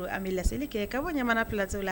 A bɛ laeli kɛ ka bɔ ɲamana plaso la